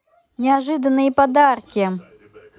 неожиданные подарки